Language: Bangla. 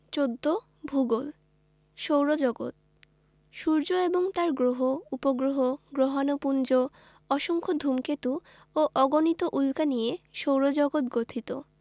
১৪ ভূগোল সৌরজগৎ সূর্য এবং তার গ্রহ উপগ্রহ গ্রহাণুপুঞ্জ অসংখ্য ধুমকেতু ও অগণিত উল্কা নিয়ে সৌরজগৎ গঠিত